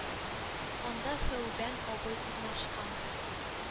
Анда Сәүбән абый урнашкан.